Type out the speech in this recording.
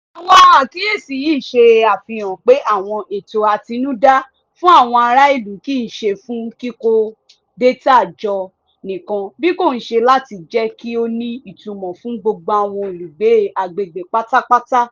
Àwọn àkíyèsí yìí ń ṣe àfihàn pé àwọn ètò àtinúdá fún àwọn ará ìlú kìí ṣe fún kíkó dátà jọ nìkan bí kò ṣe láti jẹ́ kí ó ní ìtumò fún gbogbo àwọn olùgbé agbegbe pátápátá.